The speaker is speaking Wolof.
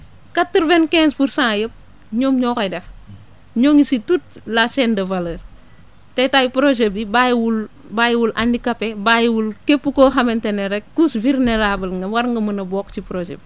quatre vingt quinze pour cent yëpp ñoom ñoo koy def ñoo ngi si toute la chaine de valeur te tey projet bi bàyyiwul bàyyiwul handicapé bàyyiwul képp koo xamante ne rek couche vulnérable nga war nga mën a bokk ci projet bi